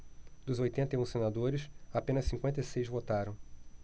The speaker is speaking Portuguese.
dos oitenta e um senadores apenas cinquenta e seis votaram